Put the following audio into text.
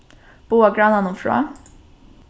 boða grannanum frá